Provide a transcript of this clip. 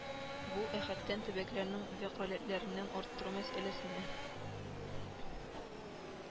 Бу әһәттән төбәкләрнең вәкаләтләрен арттыру мәсьәләсенә